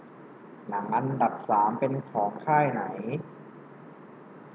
หนังอันดับสามเป็นของค่ายไหน